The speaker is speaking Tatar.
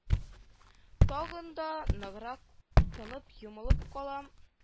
Тагын да ныграк тынып-йомылып калам